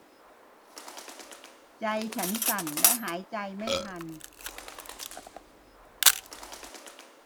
ใจฉันสั่นและหายใจไม่ทัน